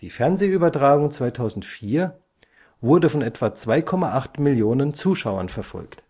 Fernsehübertragung 2004 wurde von etwa 2,8 Millionen Zuschauern verfolgt